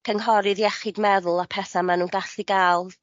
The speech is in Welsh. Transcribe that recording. cynghorydd iechyd meddwl a petha ma' nw'n gallu ga'l